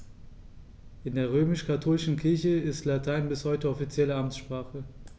In der römisch-katholischen Kirche ist Latein bis heute offizielle Amtssprache.